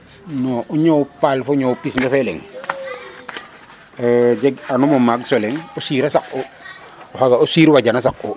non o ñoow paal fo pis ndefee leŋ jeganum o maag so leŋ o sira saqu xaga o siir a saq'u, siir wajana saq'u .